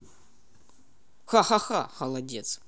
ха ха холодец